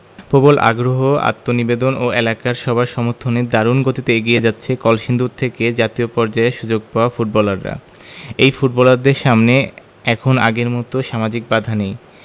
প্রবল আগ্রহ আত্মনিবেদন এবং এলাকার সবার সমর্থনে দারুণ গতিতে এগিয়ে যাচ্ছে কলসিন্দুর থেকে জাতীয় পর্যায়ে সুযোগ পাওয়া ফুটবলাররা এই ফুটবলারদের সামনে এখন আগের মতো সামাজিক বাধা নেই